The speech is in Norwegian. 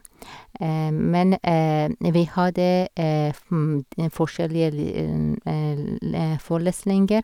Men vi hadde f en forskjellige li le forelesninger.